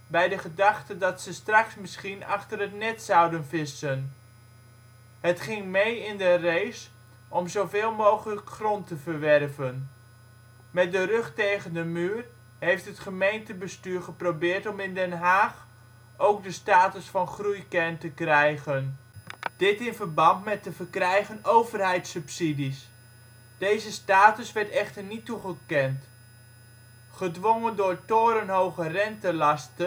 bij de gedachte dat ze straks misschien achter het net zouden vissen. Het ging mee in de race om zoveel mogelijk grond te verwerven. Met de rug tegen de muur heeft het gemeentebestuur geprobeerd om in Den Haag ook de status van groeikern te krijgen. Dit in verband met te verkrijgen overheids subsidies. Deze status werd echter niet toegekend. Gedwongen door torenhoge rentelasten